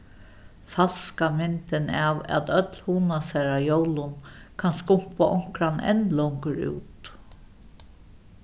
falska myndin av at øll hugna sær á jólum kann skumpa onkran enn longur út